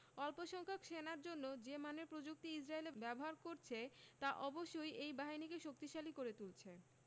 অল্পসংখ্যক সেনার জন্য যে মানের প্রযুক্তি ইসরায়েল ব্যবহার করছে তা অবশ্যই এই বাহিনীকে শক্তিশালী করে তুলছে